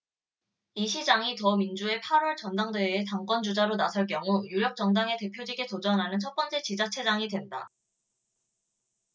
이 시장이 더민주의 팔 월 전당대회에 당권 주자로 나설 경우 유력 정당의 대표직에 도전하는 첫번째 지자체장이 된다